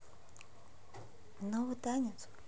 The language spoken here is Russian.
новый танец